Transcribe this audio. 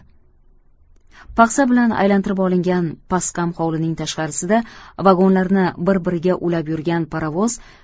paxsa bilan aylantirib olingan pasqam hovlining tashqarisida vagonlarni bir biriga ulab yurgan parovoz